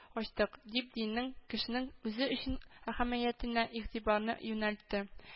Ачтык, дип, диннең кешенең үзе өчен әһәмиятенә игътибарны юнәлтте